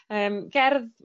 yym gerdd